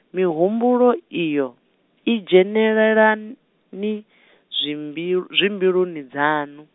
mihumbulo iyo, i dzhenelelani zwi mbi-, dzimbiluni dzaṋu?